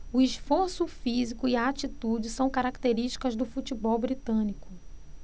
o esforço físico e a atitude são característicos do futebol britânico